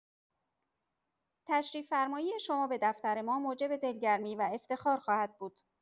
تشریف‌فرمایی شما به دفتر ما موجب دلگرمی و افتخار خواهد بود.